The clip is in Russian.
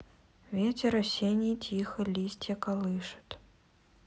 ветер осенний тихо листья колышит